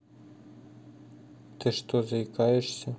что ты заикаешься